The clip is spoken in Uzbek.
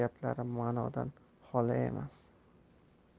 gaplari manodan xoli emas